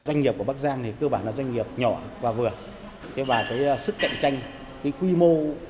doanh nghiệp của bắc giang cơ bản là doanh nghiệp nhỏ và vừa và cái sức cạnh tranh cái quy mô